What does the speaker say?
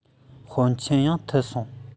དཔོན ཆེན ཡང ཐུབ སོང